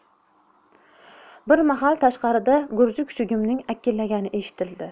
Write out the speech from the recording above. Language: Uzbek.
bir mahal tashqarida gurji kuchugimning akillagani eshitildi